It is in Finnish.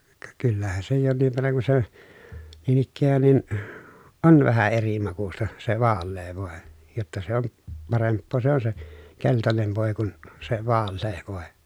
ka kyllähän se jonkin verran kun se niin ikään niin on vähän eri makuista se vaalea voi jotta se on parempaa se on se keltainen voi kuin se vaalea voi